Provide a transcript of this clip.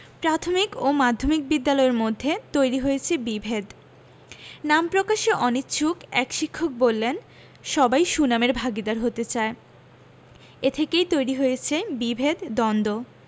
প্রাথমিক ও মাধ্যমিক বিদ্যালয়ের মধ্যে তৈরি হয়েছে বিভেদ নাম প্রকাশে অনিচ্ছুক এক শিক্ষক বললেন সবাই সুনামের ভাগীদার হতে চায় এ থেকেই তৈরি হয়েছে বিভেদ দ্বন্দ্ব